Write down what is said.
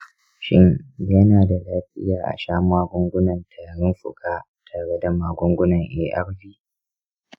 shin yana da lafiya a sha magungunan tarin fuka tare da magungunan arv?